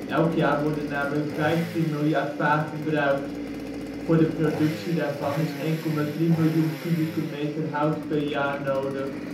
Elk jaar worden namelijk vijftien miljard paar gebruikt. Voor de productie daarvan is 1,3 miljoen kubieke meter hout per jaar nodig